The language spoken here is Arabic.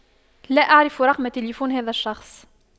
لا اعرف رقم تلفون هذا الشخص